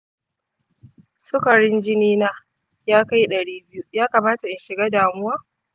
sukarin jinina ya kai ɗari biyu. ya kamata in shiga damuwa?